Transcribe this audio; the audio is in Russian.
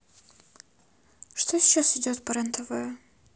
что сейчас идет по рен тв